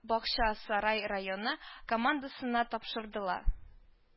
Бакчасарай районы командасына тапшырылдыла